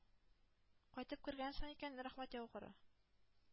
Кайтып кергәнсең икән, рәхмәт яугыры“.